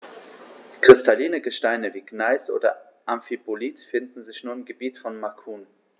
Kristalline Gesteine wie Gneis oder Amphibolit finden sich nur im Gebiet von Macun.